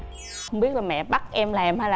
không biết là mẹ em bắt em làm hay